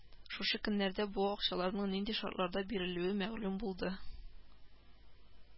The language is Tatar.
Шушы көннәрдә бу акчаларның нинди шартларда бирелүе мәгълүм булды